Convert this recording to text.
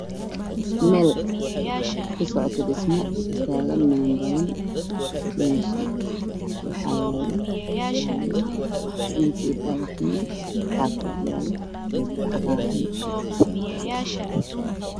Meelka socoto dhismo taagan niman badan waxayaalo gaadhi dhagaxaan badan waxa agyalo labia cagaran